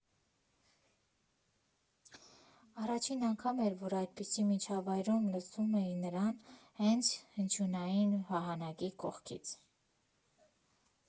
Առաջին անգամ էր, որ այդպիսի միջավայրում լսում էի նրան՝ հենց հնչյունային վահանակի կողքից։